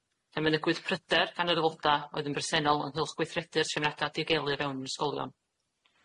a mynegwyd pryder gan yr aeloda' oedd yn bresennol ynghylch gweithredu'r trefniada diogelu o fewn ysgolion.